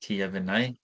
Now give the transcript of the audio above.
Ti a finnau.